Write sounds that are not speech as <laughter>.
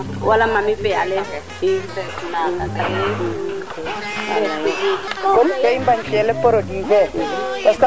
a xaƴa a jega wena njik wan de nda mene took fe ine njik wan comme oignon ke yiin <crosstalk>